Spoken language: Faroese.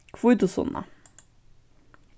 hvítusunna